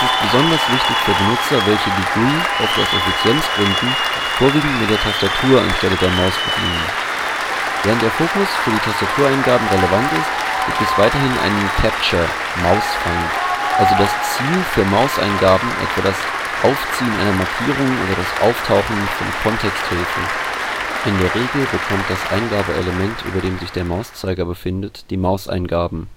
besonders wichtig für Benutzer, welche die GUI (oft aus Effizienzgründen) vorwiegend mit der Tastatur anstelle der Maus bedienen. Während der Fokus für die Tastatureingaben relevant ist, gibt es weiterhin einen Capture („ Mausfang “), also das Ziel für Mauseingaben, etwa das Aufziehen einer Markierung oder das Auftauchen von Kontexthilfe. In der Regel bekommt das Eingabelement, über dem sich der Mauszeiger befindet, die Mauseingaben